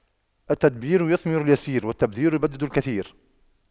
التدبير يثمر اليسير والتبذير يبدد الكثير